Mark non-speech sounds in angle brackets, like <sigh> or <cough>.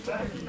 <hesitation> <crosstalk>